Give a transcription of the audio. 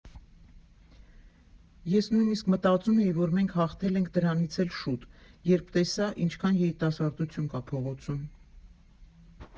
Ես նույնիսկ մտածում էի, որ մենք հաղթել ենք դրանից էլ շուտ, երբ տեսա՝ ինչքան երիտասարդություն կա փողոցում։